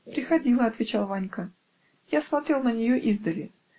-- Приходила, -- отвечал Ванька, -- я смотрел на нее издали.